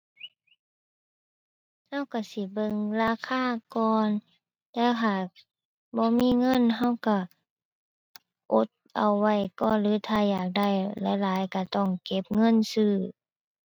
เลาก็สิเบิ่งราคาก่อน แต่ถ้า บ่มีเงินก็ก็ อดเอาไว้ก่อนหรือถ้าอยากได้หลายหลายก็ต้องเก็บเงินซื้อ